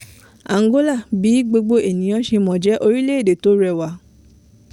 Angola, bí gbogbo ènìyàn ṣe mọ̀, jẹ́ orílẹ̀-èdè tí ó rẹwà.